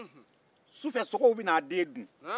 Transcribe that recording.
sogo bɛ na a den dun su fɛ